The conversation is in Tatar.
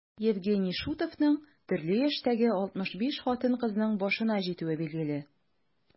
Евгений Шутовның төрле яшьтәге 65 хатын-кызның башына җитүе билгеле.